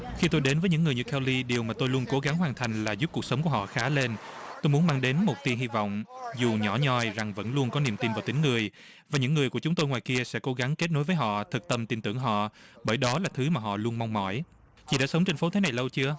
khi tôi đến với những người như tôn ly điều mà tôi luôn cố gắng hoàn thành là giúp cuộc sống của họ khá lên tôi muốn mang đến một tia hy vọng dù nhỏ nhoi rằng vẫn luôn có niềm tin vào tính người và những người của chúng tôi ngoài kia sẽ cố gắng kết nối với họ thực tâm tin tưởng họ bởi đó là thứ mà họ luôn mong mỏi chị đã sống trên phố thế này lâu chưa